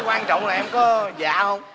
quan trọng là em có dạ hông